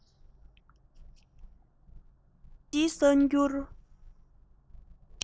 རྒྱལ སྤྱིའི གསར འགྱུར